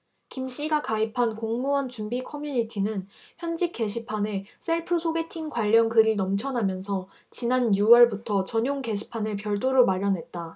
김씨가 가입한 공무원 준비 커뮤니티는 현직 게시판에 셀프 소개팅 관련 글이 넘쳐나면서 지난 유 월부터 전용 게시판을 별도로 마련했다